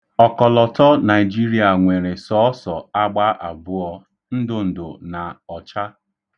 Ọkọlọtọ Naịjiria nwere, sọọsọ, agba abụọ - ndụndụ na ọcha.